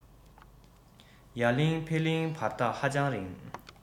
ཡ གླིང ཧྥེ གླིང བར ཐག ཧ ཅང རིང